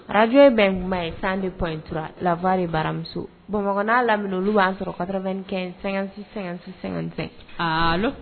Radio ye bɛn kuma ye, 102.3 la voix de baaramuso, Bamako n'a lamini olu b'an sɔrɔ 95 56 56 55 allo